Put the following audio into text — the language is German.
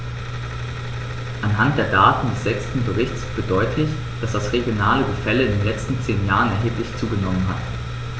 Anhand der Daten des sechsten Berichts wird deutlich, dass das regionale Gefälle in den letzten zehn Jahren erheblich zugenommen hat.